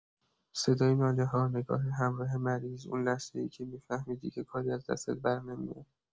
صدای ناله‌ها، نگاه همراه مریض، اون لحظه‌ای که می‌فهمی دیگه کاری از دستت برنمیاد.